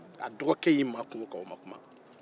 a dɔgɔkɛ y'i makun o kan o ma kuma